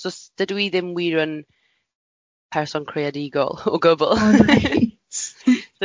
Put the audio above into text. So s- dydw i ddim wir yn person creadigol o gwbl. Oh reit.